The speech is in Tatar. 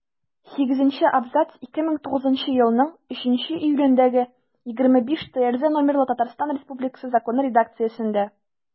Сигезенче абзац 2009 елның 3 июлендәге 25-ТРЗ номерлы Татарстан Республикасы Законы редакциясендә.